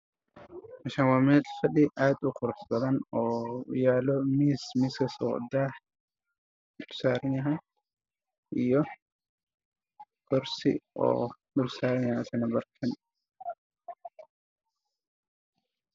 Waxaa yaalla kuraas midabkoodu yahay caddaan sidoo kale waxaa yaalla miis ma iska dusha waxaa ku fidsan marcadaani